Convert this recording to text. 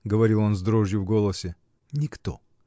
— говорил он с дрожью в голосе. — Никто!